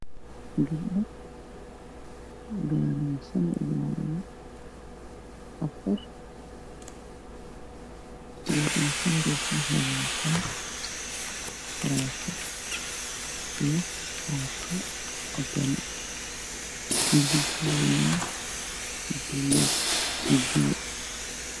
Waxaa ii muuqda shan gabdhood saddex ka mid ah waxay wataa loo kiyaalo labana ma wataan gabadha ugu soo horreysa midafkeedu waa tarxadeeda waa cadays midda kalena waa cagaar